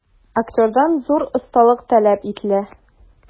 Актердан зур осталык таләп ителә.